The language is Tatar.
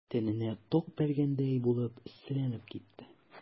Тәненә ток бәргәндәй булып эсселәнеп китте.